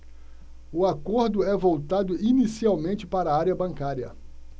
o acordo é voltado inicialmente para a área bancária